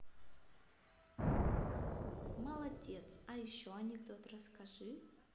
молодец а еще анекдот расскажи